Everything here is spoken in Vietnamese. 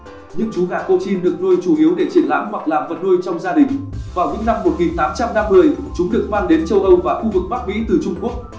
những chú gà cochin được nuôi chủ yếu để triển lãm hoặc làm vật nuôi trong gia đình vào những năm chúng được mang đến châu âu và khu vực bắc mỹ từ trung quốc